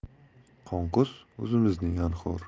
qonqus o'zimizning anhor